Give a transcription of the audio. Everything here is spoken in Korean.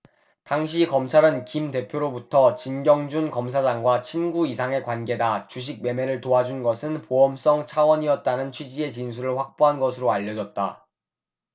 당시 검찰은 김 대표로부터 진경준 검사장과 친구 이상의 관계다 주식 매매를 도와준 것은 보험성 차원이었다는 취지의 진술을 확보한 것으로 알려졌다